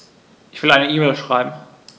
Ich will eine E-Mail schreiben.